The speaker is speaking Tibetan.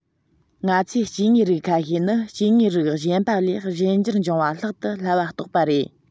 ང ཚོས སྐྱེ དངོས རིགས ཁ ཤས ནི སྐྱེ དངོས རིགས གཞན པ ལས གཞན འགྱུར འབྱུང བ ལྷག ཏུ སླ བ རྟོགས པ རེད